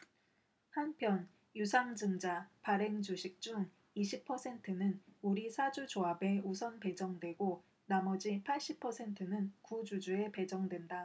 한편 유상증자 발행주식 중 이십 퍼센트는 우리사주조합에 우선 배정되고 나머지 팔십 퍼센트는 구주주에 배정된다